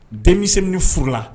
Denmisɛnw bɛ furu la